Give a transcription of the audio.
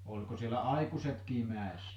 oliko siellä aikuisetkin mäessä